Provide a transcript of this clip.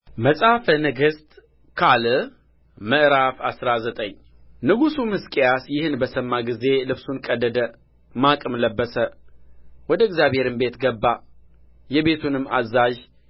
መጽሐፈ ነገሥት ካልዕ ምዕራፍ አስራ ዘጠኝ ንጉሡም ሕዝቅያስ ይህን በሰማ ጊዜ ልብሱን ቀደደ ማቅም ለበሰ ወደ እግዚአብሔርም ቤት ገባ የቤቱንም አዛዥ